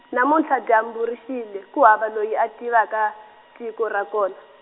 namuntlha dyambu ri xile, ku hava loyi a tivaka, tiko ra kona.